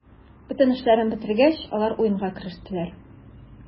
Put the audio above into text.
Бөтен эшләрен бетергәч, алар уенга керештеләр.